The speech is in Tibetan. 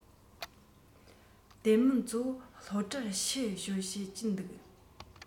དེ མིན གཙོ བོ སློབ གྲྭར ཕྱི འབྱོར བྱེད ཀྱིན འདུག